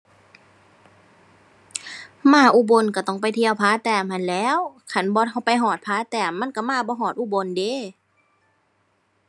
มาอุบลก็ต้องไปเที่ยวผาแต้มหั้นแหล้ว คันบ่ ไปฮอดผาแต้ม มันก็มาบ่ฮอดอุบลเดะ